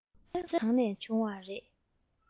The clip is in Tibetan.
སོན གང ནས བྱུང བ རེད